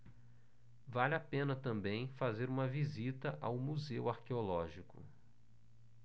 vale a pena também fazer uma visita ao museu arqueológico